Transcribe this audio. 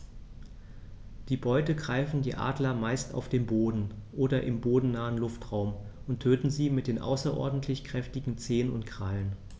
Die Beute greifen die Adler meist auf dem Boden oder im bodennahen Luftraum und töten sie mit den außerordentlich kräftigen Zehen und Krallen.